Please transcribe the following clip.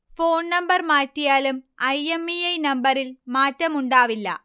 Phone number മാറ്റിയാലും I. M. E. I. നമ്പറിൽ മാറ്റമുണ്ടാവില്ല